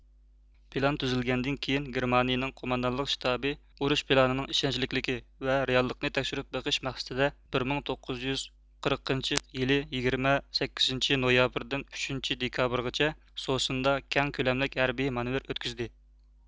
پىلان تۈزۈلگەندىن كېيىن گېرمانىيىنىڭ قوماندانلىق شتابى ئۇرۇش پىلانىنىڭ ئىشەنچلىكلىكى ۋە رېئاللىقىنى تەكشۈرۈپ بېقىش مەقسىتىدە بىر مىڭ توققۇز يۈز قىرىقىنچى يىلى يىگىرمە سەككىزىنچى نويابىردىن ئۈچىنچى دېكابىرغىچە سوسندا كەڭ كۆلەملىك ھەربىي مانېۋىر ئۆتكۈزدى